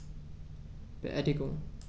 Beerdigung